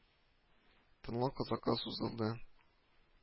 Тынлык озакка сузылды